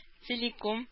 Целиком